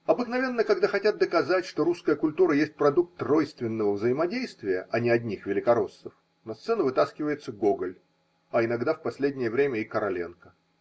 Обыкновенно, когда хотят доказать, что русская культура есть продукт тройственного взаимодействия, а не одних великороссов, на сцену вытаскивается Гоголь, а иногда, в последнее время, и Короленко.